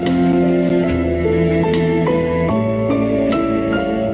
music